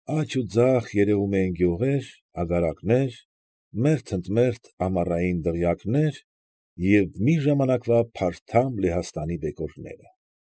Աջ ա ձախ երևում էին գյուղեր, ագարակներ, մերթ ընդ մերթ ամառային դղյակներ,֊ մի ժամանակվա փարթամ Լեհաստանի բեկորները։